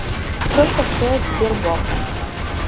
сколько стоит sberbox